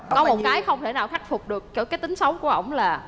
có một cái không thể nào khắc phục được kiểu cái tính xấu của ổng là